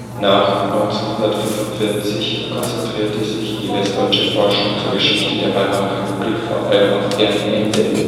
Nach 1945 konzentrierte sich die westdeutsche Forschung zur Geschichte der Weimarer Republik vor allem auf deren Ende